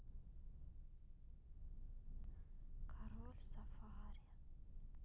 король сафари